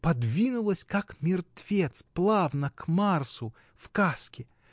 подвинулась, как мертвец, плавно к Марсу, в каске.